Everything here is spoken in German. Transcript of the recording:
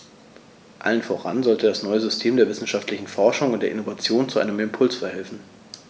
Allem voran sollte das neue System der wissenschaftlichen Forschung und der Innovation zu einem Impuls verhelfen.